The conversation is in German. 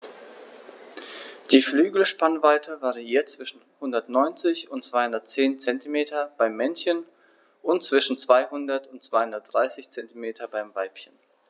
Die Flügelspannweite variiert zwischen 190 und 210 cm beim Männchen und zwischen 200 und 230 cm beim Weibchen.